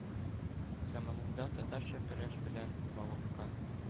Заманында татарча көрәш белән мавыккан